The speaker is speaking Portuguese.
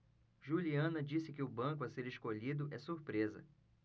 juliana disse que o banco a ser escolhido é surpresa